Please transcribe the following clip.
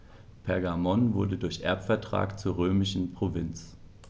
Pergamon wurde durch Erbvertrag zur römischen Provinz.